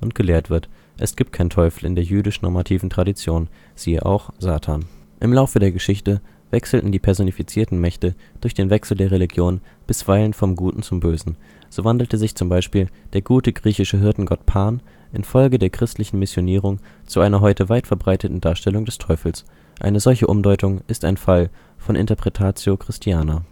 gelehrt wird, es gibt keinen Teufel in der jüdischen normativen Tradition, siehe auch Satan. Im Laufe der Geschichte wechselten die personifizierten Mächte durch den Wechsel der Religion bisweilen vom Guten zum Bösen, so wandelte sich z. B. der gute griechische Hirtengott Pan in Folge der christlichen Missionierung zu einer heute weit verbreiteten Darstellung des Teufels (eine solche Umdeutung ist ein Fall von Interpretatio Christiana